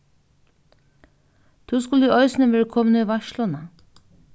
tú skuldi eisini verið komin í veitsluna